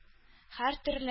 Һәртөрле